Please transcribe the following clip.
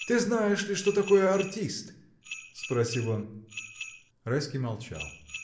Ты знаешь ли, что такое артист? — спросил он. Райский молчал.